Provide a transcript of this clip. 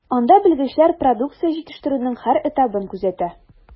Анда белгечләр продукция җитештерүнең һәр этабын күзәтә.